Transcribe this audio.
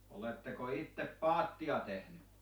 oletteko itse paattia tehnyt